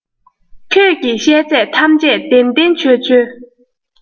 ཁྱོད ཀྱིས བཤད ཚད ཐམས ཅད བདེན བདེན འཆོལ འཆོལ